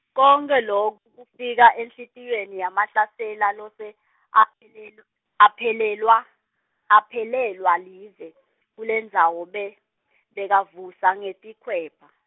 konkhe loku kufika enhlitiyweni yaMahlasela lose, aphelel-, aphelelwa, aphelelwa live, kulendzawo be bekavusa ngetikhwepha.